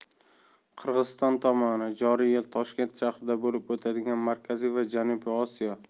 qirg'iziston tomoni joriy yil toshkent shahrida bo'lib o'tadigan markaziy va janubiy osiyo